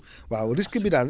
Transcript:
waaw risque bi daal